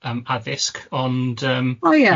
yym addysg ond yym... O ie.